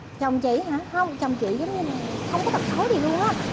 chồng chị á hả hông chồng chị giống như là không có tật xấu gì luôn á